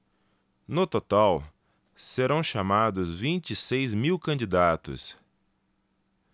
no total serão chamados vinte e seis mil candidatos